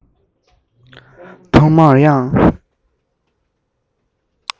ཐོག མར དབྱངས